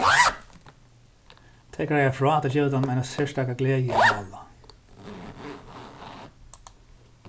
tey greiða frá at tað gevur teimum eina serstaka gleði at mála